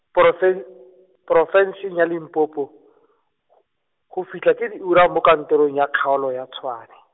porofen-, porofenseng ya Limpopo, go fitlha ke diura mo kantorong ya kgaolo ya Tshwane.